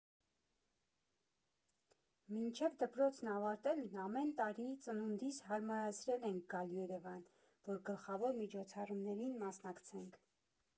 Մինչև դպրոցն ավարտելն ամեն տարի ծնունդիս հարմարացրել ենք գալ Երևան, որ գլխավոր միջոցառումներին մասնակցենք։